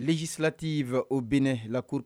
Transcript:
Jisisirati fɛ o bɛn lak